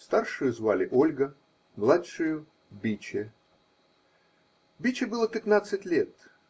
Старшую звали Ольга, младшую Биче. Биче было пятнадцать лет.